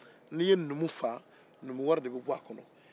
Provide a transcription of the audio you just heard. n'i ye numu faa numu wɛrɛ de bɛ bɔ a kɔnɔ